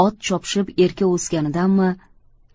ot chopishib erka o'sganidanmi